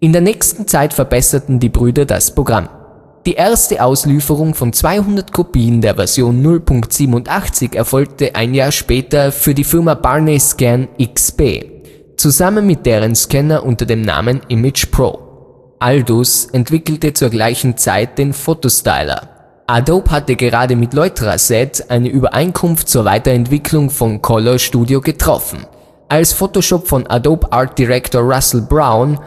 der nächsten Zeit verbesserten die Brüder das Programm; die erste Auslieferung von 200 Kopien der Version 0.87 erfolgte ein Jahr später für die Firma Barneyscan XP, zusammen mit deren Scanner unter dem Namen Image Pro. Aldus entwickelte zur gleichen Zeit den Photostyler. Adobe hatte gerade mit Letraset eine Übereinkunft zur Weiterentwicklung von Color Studio getroffen, als Photoshop von Adobes Art Director Russel Brown